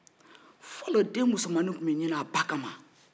fɔlɔ denmusomanin tun bɛ ɲini a ba kama